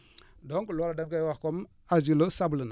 donc loolu da nga koy wax comme argileux sableuneux